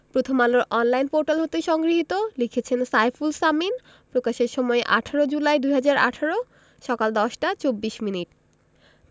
প্রথম আলোর online portal হতে সংগৃহীত লিখেছেন সাইফুল সামিন প্রকাশের সময় ১৮ জুলাই ২০১৮ সকাল ১০টা ২৪ মিনিট